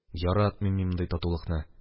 Яратмыйм мин мондый татулыкны!